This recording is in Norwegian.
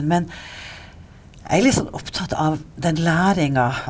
men jeg er litt sånn opptatt av den læringa.